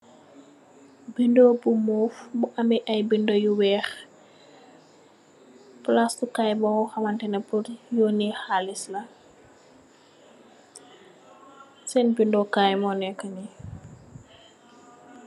Bin ndoh bu am lu move ame aye bindah yu wekh palasi kai bu khamneh pur yunee khaliss sen bin ndoh kai mu neki nun